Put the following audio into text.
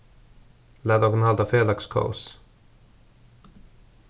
lat okkum halda felags kós